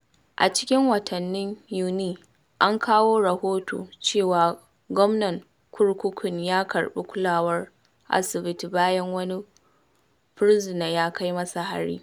A cikin watan Yuni an kawo rahoto cewa gwamnan kurkukun ya karɓi kulawar asibiti bayan wani fursuna ya kai masa hari.